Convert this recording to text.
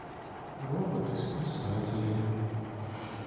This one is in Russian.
роботы спасатели